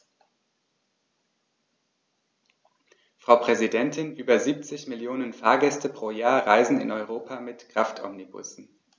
Frau Präsidentin, über 70 Millionen Fahrgäste pro Jahr reisen in Europa mit Kraftomnibussen.